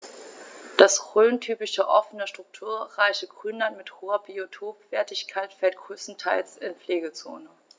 Das rhöntypische offene, strukturreiche Grünland mit hoher Biotopwertigkeit fällt größtenteils in die Pflegezone.